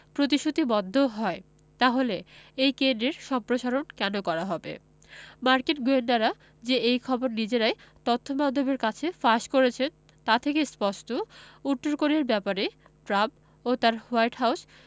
প্রতিশ্রুতিবদ্ধ হয় তাহলে এই কেন্দ্রের সম্প্রসারণ কেন করা হবে মার্কিন গোয়েন্দারা যে এই খবর নিজেরাই তথ্যমাধ্যমের কাছে ফাঁস করেছেন তা থেকে স্পষ্ট উত্তর কোরিয়ার ব্যাপারে ট্রাম্প ও তাঁর হোয়াইট হাউস